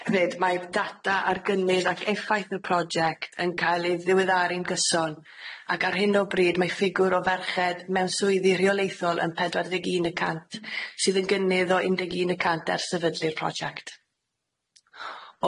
Hefyd mae'r data ar gynnydd ac effaith y project yn ca'l ei ddiweddaru'n gyson ac ar hyn o bryd mae ffigwr o ferched mewn swyddi rheolaethol yn pedwar deg un y cant sydd yn gynnydd o un deg un y cant ers sefydlu'r project.